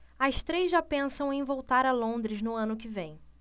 as três já pensam em voltar a londres no ano que vem